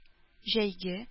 Җәйге